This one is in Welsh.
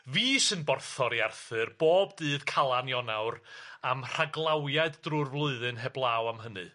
fi sy'n borthor i Arthur bob dydd Calan Ionawr am rhaglawiad drwy'r flwyddyn heblaw am hynny.